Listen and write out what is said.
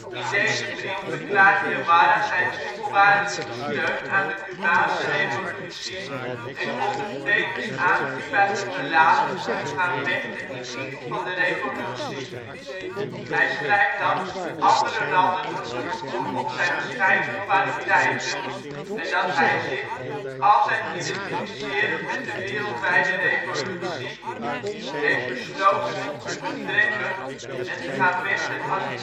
In deze brief verklaart Guevara zijn onvoorwaardelijke steun aan de Cubaanse revolutie en kondigt tevens aan Cuba te verlaten om te gaan vechten in dienst van de revolutie. Hij schrijft dat " andere landen een beroep doen op zijn bescheiden kwaliteiten " en dat hij, zich " altijd identificerend met de wereldwijde revolutie ", heeft besloten om te vertrekken en te gaan vechten als